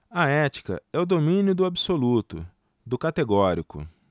a ética é o domínio do absoluto do categórico